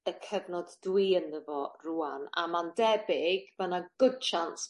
Y cyfnod dwi ynddo fo rŵan a ma'n debyg ma' 'na good chance